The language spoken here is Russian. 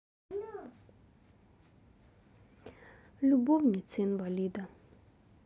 любовницы инвалида